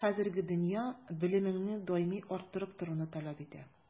Хәзерге дөнья белемеңне даими арттырып торуны таләп итә.